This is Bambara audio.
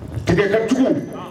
Tigɛ ka jugu ɔnh